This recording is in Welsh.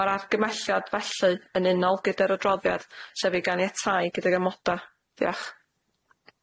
Ma'r argymelliad felly yn unol gyda'r adroddiad sef i ganiatai gyda amoda. Diolch.